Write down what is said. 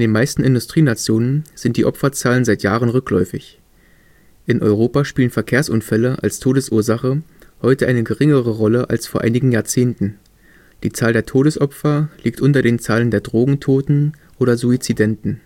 meisten Industrienationen sind die Opferzahlen seit Jahren rückläufig. In Europa spielen Verkehrsunfälle als Todesursache heute eine geringere Rolle als vor einigen Jahrzehnten, die Zahl der Todesopfer liegt unter den Zahlen der Drogentoten oder Suizidenten